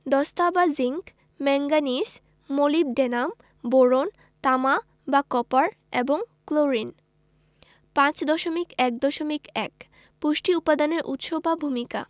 দস্তা বা zinc manganese molybdenum boron তামা বা কপার এবং ক্লোরিন ৫.১.১ পুষ্টি উপাদানের উৎস এবং ভূমিকা পুষ্টি উপাদানের উৎস